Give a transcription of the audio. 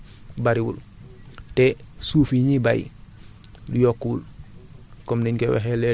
da nga naan population Sénégal daanaka bu bu doublé wul li ko manqué bariwul